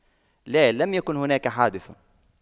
لا لم يكن هناك حادث